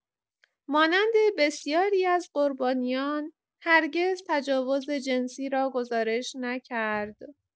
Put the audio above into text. مانند بسیاری از قربانیان، هرگز تجاوز جنسی را گزارش نکرد.